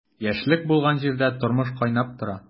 Яшьлек булган җирдә тормыш кайнап тора.